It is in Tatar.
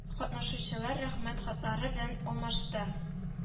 Катнашучылар рәхмәт хатлары белән алмашты